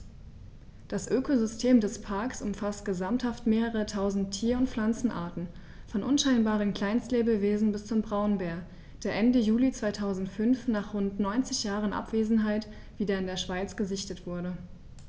Das Ökosystem des Parks umfasst gesamthaft mehrere tausend Tier- und Pflanzenarten, von unscheinbaren Kleinstlebewesen bis zum Braunbär, der Ende Juli 2005, nach rund 90 Jahren Abwesenheit, wieder in der Schweiz gesichtet wurde.